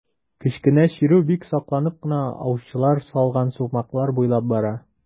Кечкенә чирү бик сакланып кына аучылар салган сукмаклар буйлап бара.